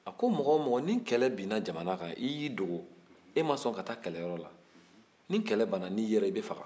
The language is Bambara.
a ko mɔgɔ o mɔgɔ ni kɛlɛ binna jamana kan i y'i dogo e ma sɔn ka taa kɛlɛyɔrɔ la ni kɛlɛ banna n'i yera i bɛ faga